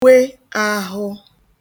we àhụ